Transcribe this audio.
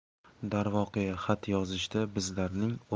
darvoqe xat yozishda bizlarning